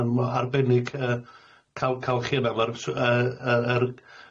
Ma'n arbennig yy ca'l ca'l chi yma ma'r s- yy y